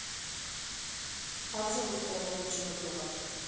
как зовут твоего лучшего друга